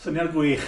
Syniad gwych.